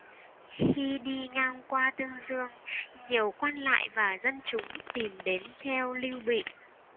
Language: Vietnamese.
khi đi ngang qua tương dương nhiều quan lại và dân chúng tìm đến theo lưu bị